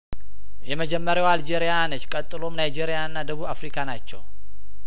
የመጀመሪያዋ አልጄሪያ ነች ቀጥሎም ናይጄሪያና ደቡብ አፍሪካ ናቸው